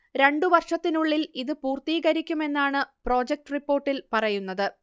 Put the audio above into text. രണ്ടു വർഷത്തിനുള്ളിൽ ഇതു പൂർത്തീകരിക്കുമെന്നാണ് പ്രൊജക്റ്റ് റിപ്പോർട്ടിൽ പറയുന്നത്